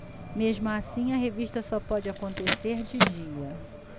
mesmo assim a revista só pode acontecer de dia